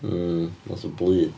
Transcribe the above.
Lot o blu.